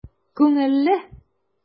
Күңелле!